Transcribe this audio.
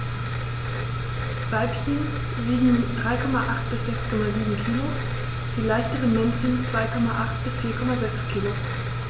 Weibchen wiegen 3,8 bis 6,7 kg, die leichteren Männchen 2,8 bis 4,6 kg.